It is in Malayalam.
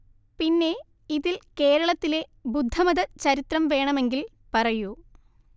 പിന്നെ ഇതിൽ കേരളത്തിലെ ബുദ്ധമത ചരിത്രം വേണമെങ്കിൽ പറയൂ